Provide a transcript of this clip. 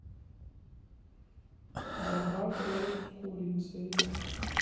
добавь ролл с курицей